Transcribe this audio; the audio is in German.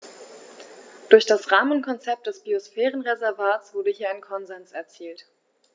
Durch das Rahmenkonzept des Biosphärenreservates wurde hier ein Konsens erzielt.